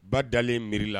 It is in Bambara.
Ba dalenlen mi la